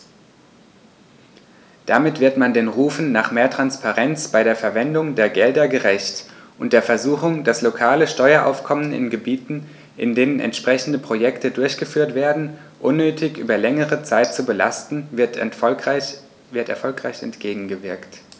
Damit wird man den Rufen nach mehr Transparenz bei der Verwendung der Gelder gerecht, und der Versuchung, das lokale Steueraufkommen in Gebieten, in denen entsprechende Projekte durchgeführt werden, unnötig über längere Zeit zu belasten, wird erfolgreich entgegengewirkt.